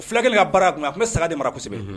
Fula kelen ka baara kun a tun bɛ saga de marasɛbɛ